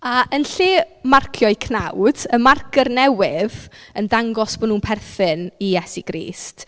A yn lle marcio'u cnawd y marcyr newydd yn dangos bo' nhw'n perthyn i Iesu Grist.